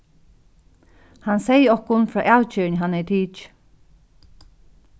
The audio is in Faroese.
hann segði okkum frá avgerðini hann hevði tikið